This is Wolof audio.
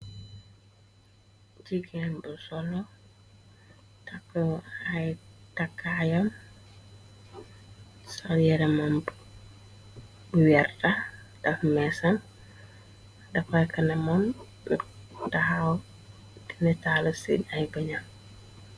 Jigeen bu solo takku ay takkaxyam sol yeramam be lu werta daf meesam dafarr kanam taxaw de natalu ci aye gunax.